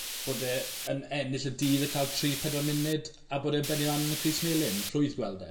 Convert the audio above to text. bod e yn ennill y dydd a ca'l tri pedwar munud a bod e'n bennu lan yn y crys melyn. Rhwydd gweld e.